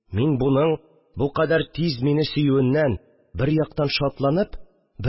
Мин моның бу кадәр тиз мине сөюеннән, бер яктан, шатланып